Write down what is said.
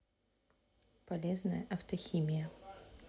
полезная автохимия